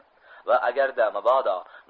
va agarda mabodo